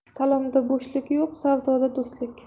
salomda bo'shlik yo'q savdoda do'stlik